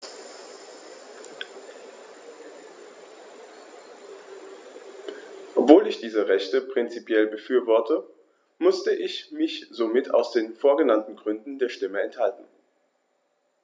Obwohl ich diese Rechte prinzipiell befürworte, musste ich mich somit aus den vorgenannten Gründen der Stimme enthalten.